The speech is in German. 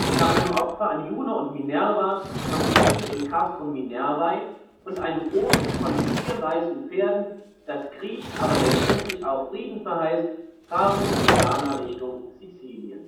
Nach einem Opfer an Juno und Minerva am Tempel in Castrum Minervae und einem Omen von vier weißen Pferden, das Krieg, aber letztendlich auch Frieden verheißt, fahren die Trojaner Richtung Sizilien